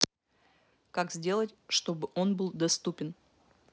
как сделать чтобы он был доступен